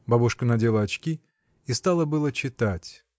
Бабушка надела очки и стала было читать.